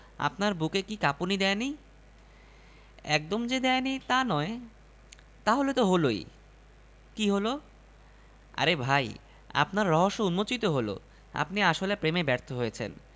স্বস্তির নিশ্বাস ফেললেন মন্ত্রী যাক কেউ একজন অন্তত তাঁকে চিনতে পেরেছে দেখতে পেরেছে তিনি যে অস্তিত্বহীন হয়ে পড়েননি এই ভেবে খানিকটা আশার আলো দেখতে পেলেন